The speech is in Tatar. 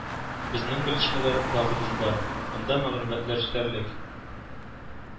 Безнең белешмәләр базабыз бар, анда мәгълүматлар җитәрлек